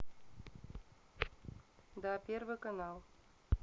да первый канал